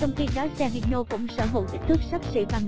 trong khi đó xe hino cũng sở hữu kích thước sấp xỉ bằng đối thủ